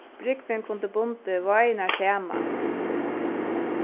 brúgvin kundi bundið vágirnar saman